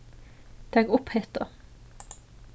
tak upp hetta